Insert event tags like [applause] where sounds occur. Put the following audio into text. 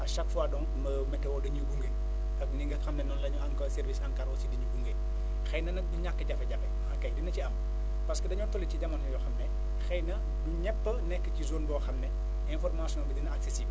à cahque fois donc [hesitation] météo dañuy gunge ak ni nga xam ne noonu la ñu encore service ANCAR aussi di ñu gunge xëy na nag du ñàkk jafe-jafe axakay dina ci am parce que dañoo toll ci jamono yoo xam ne xëy na du ñëpp a nekk ci zone boo xam ne information bi dina accéssible